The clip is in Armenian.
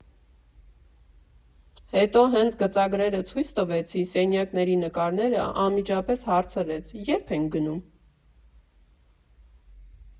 Հետո հենց գծագրերը ցույց տվեցի, սենյակների նկարները, անմիջապես հարցրեց՝ ե՞րբ ենք գնում։